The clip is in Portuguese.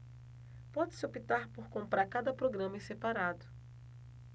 pode-se optar por comprar cada programa em separado